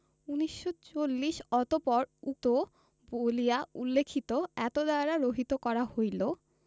১৯৪০ অতঃপর উক্ত বলিয়া উল্লিখিত এতদ্বারা রহিত করা হইল